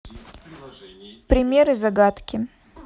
примеры загадки